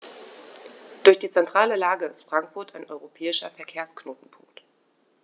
Durch die zentrale Lage ist Frankfurt ein europäischer Verkehrsknotenpunkt.